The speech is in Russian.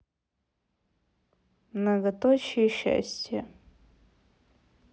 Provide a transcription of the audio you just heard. многоточие счастье